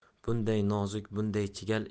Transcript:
bunday nozik bunday chigal